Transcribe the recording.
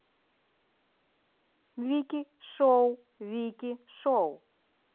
вики шоу вики шоу